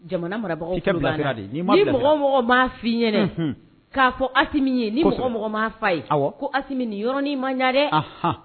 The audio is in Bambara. Jamana marabagaw mɔgɔ mɔgɔ' i ɲɛna k'a fɔ ye fa ye ko ninɔrɔnin ma ɲɛ dɛ